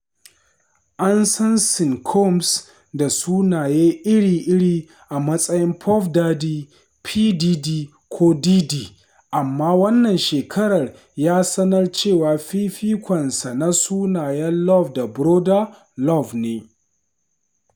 An san Sean Combs da sunaye iri-iri a matsayin Puff Daddy, P. Diddy ko Diddy, amma wannan shekarar ya sanar cewa fifikonsa na sunayen Love da Brother Love ne.